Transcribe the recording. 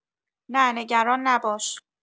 نه نگران نباش